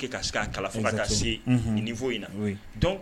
A kaa se a kala ka se ɲinin fɔ in na